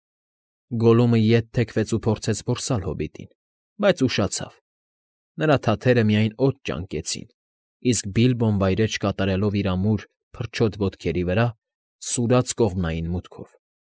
Գոլլումը ետ թեքվեց ու փորձեց որսալ հոբիտին, բայց ուշացավ. նրա թաթերը միայն օդ ճանկեցին, իսկ Բիլբոն, վայրէջք կատարելով իր ամուր, փրչոտ ոտքերի վրա, սուրաց կողմնային մուտքով։